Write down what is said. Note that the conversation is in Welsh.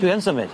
Dwi yn symud.